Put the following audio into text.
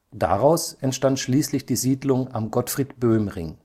Daraus entstand schließlich die Siedlung am Gottfried-Böhm-Ring